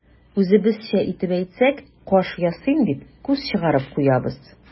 Үзебезчә итеп әйтсәк, каш ясыйм дип, күз чыгарып куябыз.